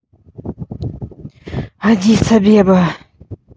аддис абеба